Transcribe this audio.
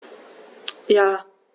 Ja.